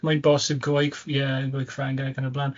Mae'n bosib Groeg ff-, ie, Groeg Ffrangeg ac yn y blaen.